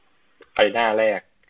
ไปหน้าแรก